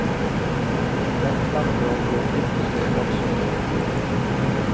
gentan og drongurin fylgdust úr flokshølinum